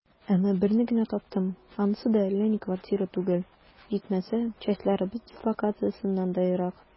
Әмма берне генә таптым, анысы да әллә ни квартира түгел, җитмәсә, частьләребез дислокациясеннән дә ерак.